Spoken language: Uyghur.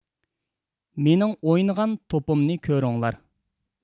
مېنىڭ ئوينىغان توپۇمنى كۆرۈڭلار